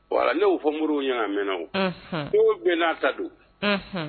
Ne'o fɔ muru ɲ mɛn ko bɛn n' ta don